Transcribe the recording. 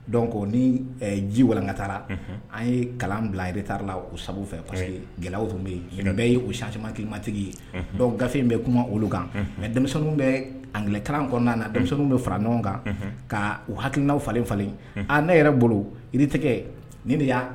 Ni ji walanka taara an ye kalan bila yɛrɛ taara la o sabu fɛ parce que gɛlɛyaw tun bɛ yen bɛɛ ye u sa camanmakitigi ye dɔnku gafe bɛ kuma olu kan mɛ denmisɛnnin bɛ anka kɔnɔna na denmisɛnninw bɛ fara ɲɔgɔn kan ka u hakiina falen falen aa ne yɛrɛ bolo i tigɛ nin de y'